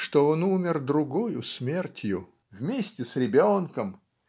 что он умер другою смертью вместе с ребенком